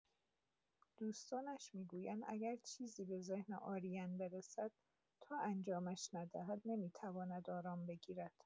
دوستانش می‌گویند اگر چیزی به ذهن آرین برسد، تا انجامش ندهد نمی‌تواند آرام بگیرد.